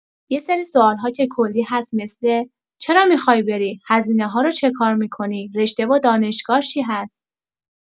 یسری سوال‌ها که کلی هست مثل، چرا میخوای بری، هزینه هارو چه کار می‌کنی، رشته و دانشگاه چی هست.